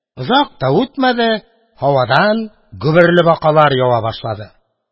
Озак та үтмәде, һавадан гөберле бакалар ява башлады.